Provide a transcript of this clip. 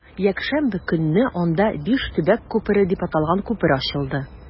Якшәмбе көнне анда “Биш төбәк күпере” дип аталган күпер ачылды.